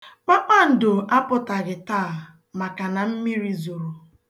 Kpakpando apụtaghị taa maka na mmiri zoro.